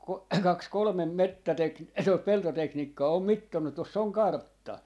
kun kaksi kolme - tuota peltoteknikkoa on mitannut tuossa on kartta